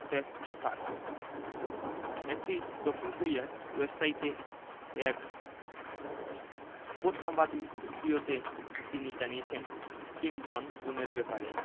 Feffer একটি দক্ষিণ কোরীয় ওয়েবসাইটে এক উপসম্পাদকীয়তে তিনি জানিয়েছেন কিম জং উনের ব্যাপারে